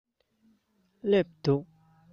སླེབས འདུག